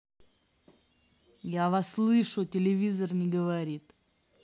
я вас слышу телевизор не говорит